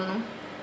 pod num